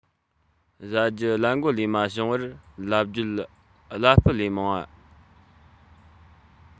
བཟའ རྒྱུ གླ མགོ ལས མ བྱུང བར ལབ བརྗོད གླ སྤུ ལས མང བ